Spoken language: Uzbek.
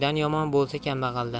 yomon bo'lsa kambag'aldan